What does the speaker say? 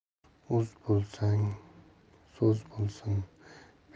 oz bo'lsin soz bo'lsin